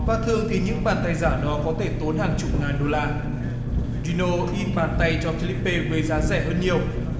và thường thì những bàn tay giả đó có thể tốn hàng chục ngàn đô la ghi nô in bàn tay cho phi líp pi với giá rẻ hơn nhiều